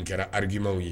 Nin kɛra arakiw ye